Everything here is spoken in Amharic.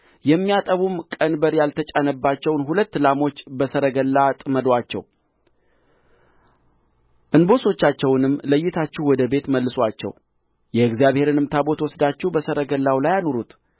የሚያጠቡም ቀንበር ያልተጫነባቸውን ሁለት ላሞች በሰረገላ ጥመዱአቸው እንቦሶቻቸውንም ለይታችሁ ወደ ቤት መልሱአቸው የእግዚአብሔርንም ታቦት ወስዳችሁ በሰረገላው ላይ አኑሩት